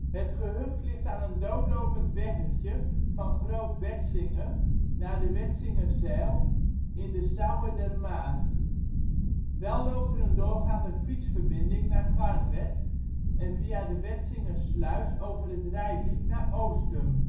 Het gehucht ligt aan een doodlopend weggetje van Groot Wetsinge naar de Wetsingerzijl in de Sauwerdermaar. Wel loopt er een doorgaande fietsverbinding naar Garnwerd en via de Wetsingersluis over het Reitdiep naar Oostum